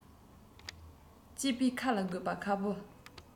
སྐྱེས པའི ཁ ལ དགོས པ ཁ སྤུ